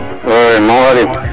oui Mame Waly